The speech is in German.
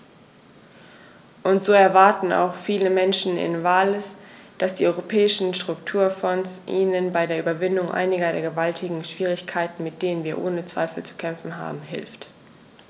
Und so erwarten auch viele Menschen in Wales, dass die Europäischen Strukturfonds ihnen bei der Überwindung einiger der gewaltigen Schwierigkeiten, mit denen wir ohne Zweifel zu kämpfen haben, hilft.